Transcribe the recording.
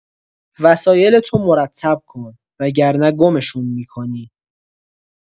وسایلتو مرتب کن وگرنه گمشون می‌کنی.